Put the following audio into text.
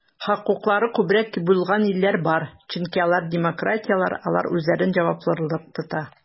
Хокуклары күбрәк булган илләр бар, чөнки алар демократияләр, алар үзләрен җаваплырак тота.